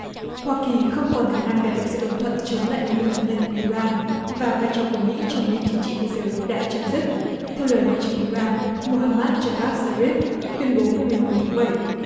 hoa kỳ không còn khả năng đạt được sự đồng thuận chống lại năng lực hạt nhân của i ran và vai trò của mỹ trong nền chính trị thế giới đã chấm dứt theo lời ngoại trưởng i ran mô ham mát gia vát sa ríp tuyên bố ngày mười một tháng bảy